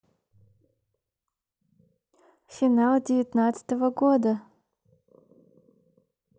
final девятнадцатого года